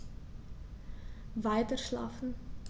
Weiterschlafen.